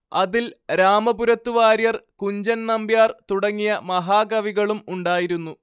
അതിൽ രാമപുരത്തു വാര്യർ കുഞ്ചൻ നമ്പ്യാർ തുടങ്ങിയ മഹാകവികളും ഉണ്ടായിരുന്നു